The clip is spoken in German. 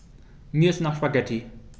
Mir ist nach Spaghetti.